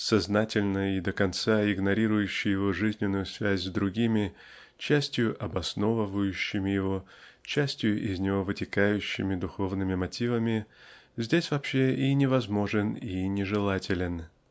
сознательно и до конца игнорирующий его жизненную связь с другими частью обосновывающими его частью из него вытекающими духовными мотивами здесь вообще и невозможен и нежелателен.